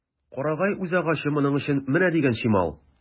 Карагай үзагачы моның өчен менә дигән чимал.